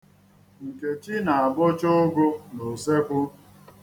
Nkechi na-agbụcha ụgụ n'usekwu.